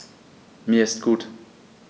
Mir ist gut.